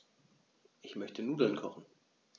Ich möchte Nudeln kochen.